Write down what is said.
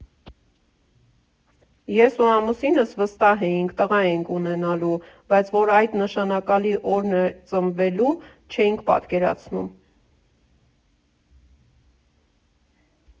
Ես ու ամուսինս վստահ էինք՝ տղա ենք ունենալու, բայց որ այդ նշանակալի օրն էր ծնվելու, չէինք պատկերացնում։